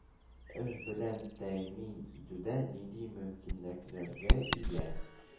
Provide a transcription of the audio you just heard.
Эш белән тәэмин итүдә нинди мөмкинлекләргә ия